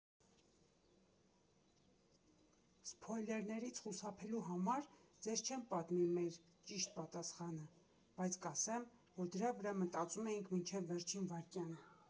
Սփոյլերներից խուսափելու համար ձեզ չեմ պատմի մեր ճիշտ պատասխանը, բայց կասեմ, որ դրա վրա մտածում էինք մինչև վերջին վայրկյանը։